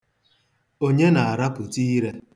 Onye na-arapụta ire?